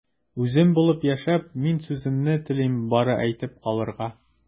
Үзем булып яшәп, мин сүземне телим бары әйтеп калырга...